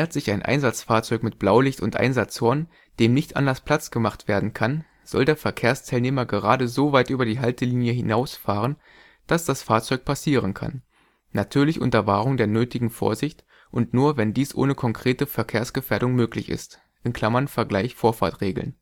sich ein Einsatzfahrzeug mit Blaulicht und Einsatzhorn, dem nicht anders Platz gemacht werden kann, soll der Verkehrsteilnehmer gerade so weit über die Haltlinie hinausfahren, dass das Fahrzeug passieren kann; natürlich unter Wahrung der nötigen Vorsicht und nur, wenn dies ohne konkrete Verkehrsgefährdung möglich ist (vgl. Vorfahrtregeln